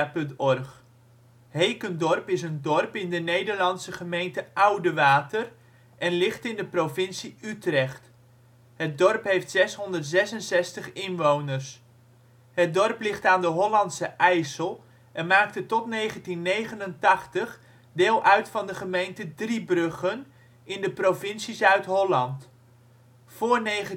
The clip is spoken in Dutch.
OL Hekendorp Plaats in Nederland Situering Provincie Utrecht Gemeente Oudewater Coördinaten 52° 1′ NB, 4° 49′ OL Algemeen Inwoners (2003) 666 Overig Postcode 3467 Netnummer 0182 Detailkaart Locatie in de gemeente Portaal Nederland Hekendorp is een dorp in de Nederlandse gemeente Oudewater en ligt in de provincie Utrecht. Het dorp heeft 666 inwoners (2003). Het dorp ligt aan de Hollandse IJssel en maakte tot 1989 deel uit van de gemeente Driebruggen in de provincie Zuid-Holland. Voor 1964